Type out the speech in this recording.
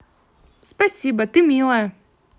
спасибо ты милая